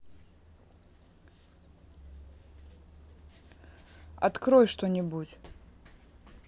открой что нибудь